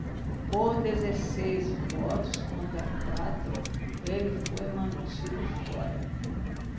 por dezesseis votos contra quatro ele foi mantido fora